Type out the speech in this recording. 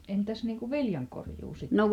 entäs niin kuin viljankorjuu sitten